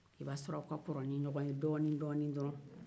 o b'a sɔrɔ aw ka kɔrɔ ni ɲɔgɔn ye dɔɔni dɔɔni dɔrɔn